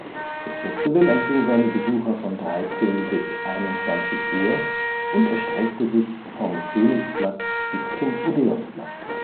Das Festival empfing seine Besucher von 13 und 21 Uhr und erstreckte sich vom Königsplatz bis zum Odeonsplatz